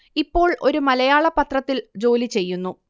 ഇപ്പോൾ ഒരു മലയാള പത്രത്തിൽ ജോലി ചെയ്യുന്നു